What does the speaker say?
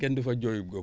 kenn du fa jooyu góom